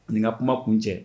Nin ka kuma kun cɛ